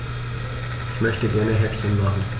Ich möchte gerne Häppchen machen.